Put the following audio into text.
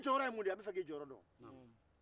an b'a fɛ k'e jɔyɔrɔ dɔn